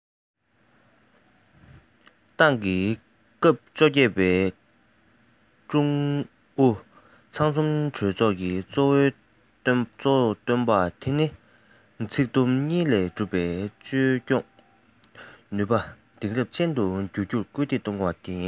ཏང གི སྐབས བཅོ བརྒྱད པའི ཀྲུང ཨུ ཚང འཛོམས གྲོས ཚོགས གཙོ བོ བཏོན པ དེ ནི ཚིག དུམ གཉིས ལས གྲུབ པའི བཅོས སྐྱོང ནུས པ དེང རབས ཅན དུ འགྱུར རྒྱུར སྐུལ འདེད གཏོང རྒྱུ དེ རེད